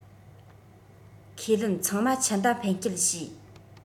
ཁས ལེན ཚང མ ཆུ མདའ འཕེན སྤྱད བྱས